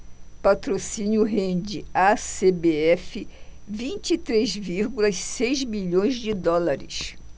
patrocínio rende à cbf vinte e três vírgula seis milhões de dólares